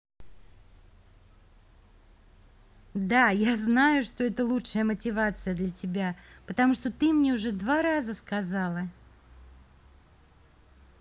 да я знаю что это лучшая мотивация для тебя потому что ты мне это уже два раза сказала